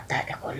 Taa ɛkɔli